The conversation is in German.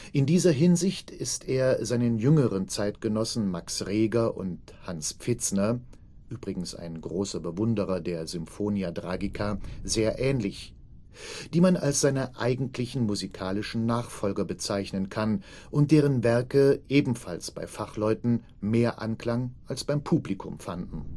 In dieser Hinsicht ist er seinen jüngeren Zeitgenossen Max Reger und Hans Pfitzner (übrigens ein großer Bewunderer der Symphonia Tragica) sehr ähnlich, die man als seine eigentlichen musikalischen Nachfolger bezeichnen kann und deren Werke ebenfalls bei Fachleuten mehr Anklang als beim Publikum fanden